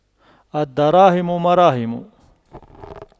الدراهم مراهم